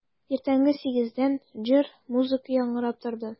Иртәнге сигездән җыр, музыка яңгырап торды.